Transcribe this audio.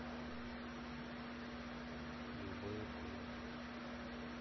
любэ конь